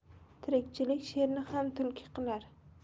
tirikchilik sherni ham tulki qilar